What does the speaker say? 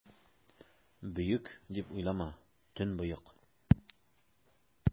Боек, дип уйлама, төнбоек!